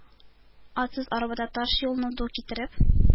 Атсыз арбада таш юлны ду китереп,